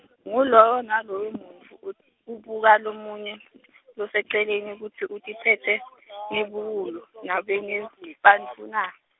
ngulowo nalowo muntfu, ud- ubuka, lomunye loseceleni kutsi utiphetse ngebuwula nobe ngebuntfu na?